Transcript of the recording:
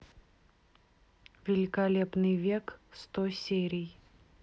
великолепный век сто серий